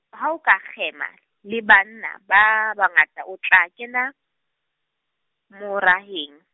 ha o ka kgema, le banna ba bangata, o tla kena moraheng.